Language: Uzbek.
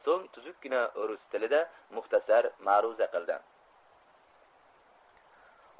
so'ng tuzukkina rus tilida muxtasar ma'ruza qildi